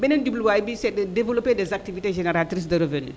beneen jubluwaay bi c' est de développer des activités génératrices de revenu